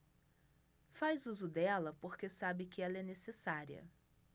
faz uso dela porque sabe que ela é necessária